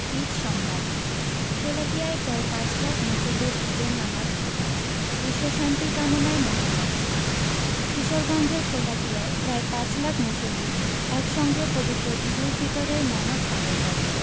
ঈদ সংবাদ শোলাকিয়ায় প্রায় পাঁচ লাখ মুসল্লির ঈদের নামাজ আদায় বিশ্বশান্তি কামনায় মোনাজাত কিশোরগঞ্জের শোলাকিয়ায় প্রায় পাঁচ লাখ মুসল্লি একসঙ্গে পবিত্র ঈদুল ফিতরের নামাজ আদায় করেন